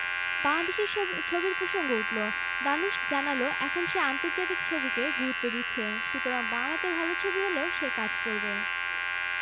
প্রাচীনতম এই দুর্গেই খ্রিষ্টীয় রীতিতে বিয়ে হবে মেগান ও হ্যারির এ ছাড়া উইন্ডসরের আরেকটি বিশেষত্ব আছে এটি হ্যারির দাদি ও রানি দ্বিতীয় এলিজাবেথের বাসস্থান সপ্তাহের বেশির ভাগ সময় তিনি এখানেই থাকেন